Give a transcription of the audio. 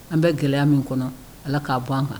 An bɛ gɛlɛya min kɔnɔ ala k'a bɔ an kan